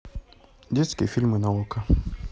детские фильмы на окко